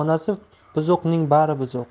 onasi buzuqning bari buzuq